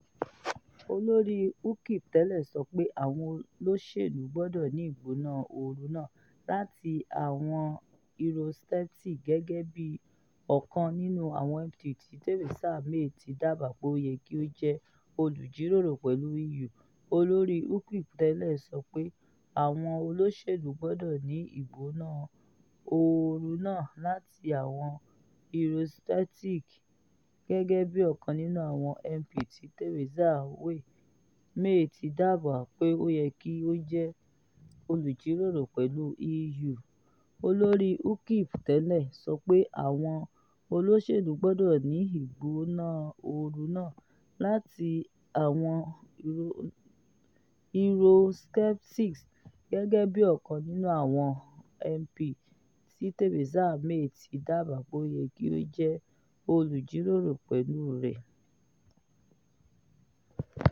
Olori Ukip tẹlẹ sọ pe awọn oloselu gbọdọ 'ni igbona ooru naa' lati awọn Eurosceptics - gẹgẹbi ọkan nínú awọn MP ti Theresa May ti daba pe o yẹ ki o jẹ olujiroro pẹlu EU: